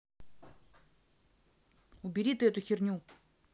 убери ты эту херню